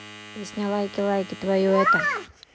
песня лайки лайки твою это